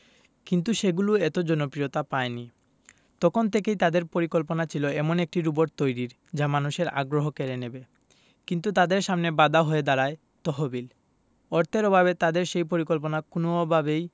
কিন্তু সেগুলো এত জনপ্রিয়তা পায়নি তখন থেকেই তাদের পরিকল্পনা ছিল এমন একটি রোবট তৈরির যা মানুষের আগ্রহ কেড়ে নেবে কিন্তু তাদের সামনে বাধা হয়ে দাঁড়ায় তহবিল অর্থের অভাবে তাদের সেই পরিকল্পনা কোনও ভাবেই